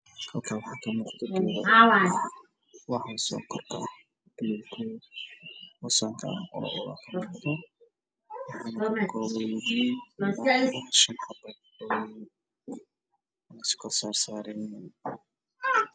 meeshaan waa darbi wxaa kusawiran ubax midabkiisu yahay caano iyo fiinto